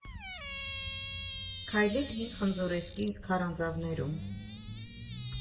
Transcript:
Քայլել Հին Խնձորեսկի քարանձավներում։